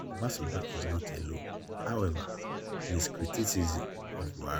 Obasanjo is not alone, however, in his criticism of Buhari.